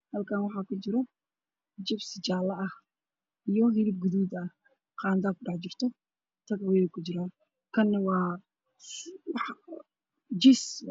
Halkaan waxaa kujiro jibsi jaale iyo hilib gaduudan oo qaado kudhex jirto waana tag away, kana waa jiis.